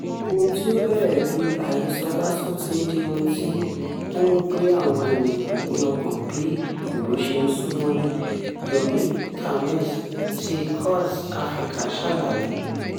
Ohun tí ó bẹ̀rẹ̀ bí àhesọ lásán ti ń di ohun tí ó ń gbé àwọn ènìyàn ní ọkàn bí ìbò ṣe ń sún mọ́lé. Yomi Kamez ti Quartz Africa ṣàlàyé :